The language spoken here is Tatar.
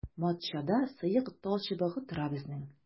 Матчада сыек талчыбыгы тора безнең.